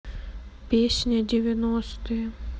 песня девяностые